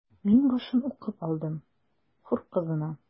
Мин башын укып алдым: “Хур кызына”.